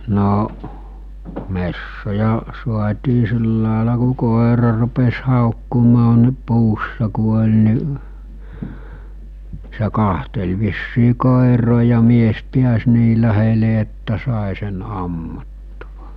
no metsoja saatiin sillä lailla kun koira rupesi haukkumaan niin puussa kun oli niin se katseli vissiin koiraa ja mies pääsi niin lähelle että sai sen ammuttua